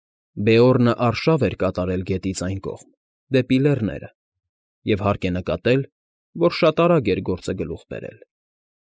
Բեորնը արշավ էր կատարել գետից այն կողմ, դեպի լեռները, և հարկ է նկատել, որ շատ արագ էր գործը գլուխ բերել։